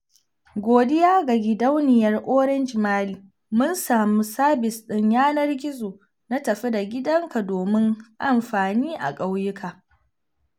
Godiya ga gidauniyar Orange Mali, mun samu sabis ɗin yanar gizo na tafi da gidanka domin amfani a ƙauyuka.